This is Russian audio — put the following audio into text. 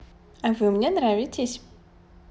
а вы мне нравитесь